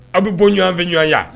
Aw bɛ bɔɲɔgɔnfɛɲɔgɔnya